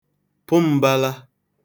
pụ m̄bālā